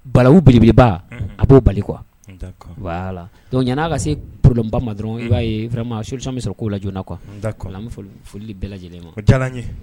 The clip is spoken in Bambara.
Balabuelebba a b'o bali qu la yan ka se pba ma dɔrɔn'a sosɔn bɛ sɔrɔ k' lajna foli bɛɛ lajɛlen